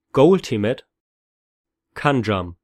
Goaltimate KanJam